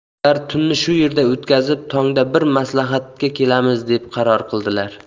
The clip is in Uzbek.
ular tunni shu yerda o'tkazib tongda bir maslahatga kelamiz deb qaror qildilar